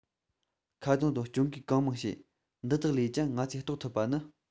ཁ རྡུང དང སྐྱོན འགེལ གང མང བྱས འདི དག ལས ཀྱང ང ཚོས རྟོགས ཐུབ པ ནི